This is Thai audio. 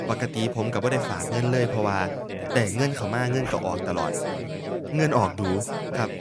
ปกติผมก็บ่ได้ฝากเงินเลย เพราะว่าได้เงินเข้ามาเงินก็ออกตลอด เงินออกดู๋ครับ